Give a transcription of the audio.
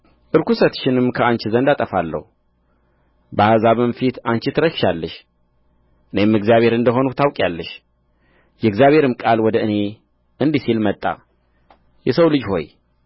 ርኵሰትሽንም ከአንቺ ዘንድ አጠፋለሁ በአሕዛብም ፊት አንቺ ትረክሻለሽ እኔም እግዚአብሔር እንደ ሆንሁ ታውቂአለሽ የእግዚአብሔርም ቃል ወደ እኔ እንዲህ ሲል መጣ የሰው ልጅ ሆይ